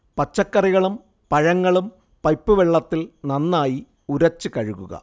പച്ചക്കറികളും പഴങ്ങളും പൈപ്പ് വെള്ളത്തിൽ നന്നായി ഉരച്ച് കഴുകുക